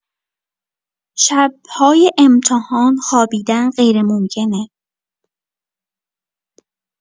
شب‌های امتحان خوابیدن غیرممکنه